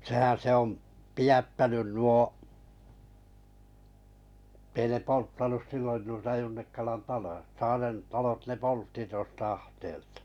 sehän se on pidättänyt nuo että ei ne polttanut silloin noita Junnikkalan taloja Saaren talot ne poltti tuosta ahteelta